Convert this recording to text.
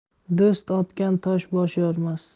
do'st otgan tosh bosh yormas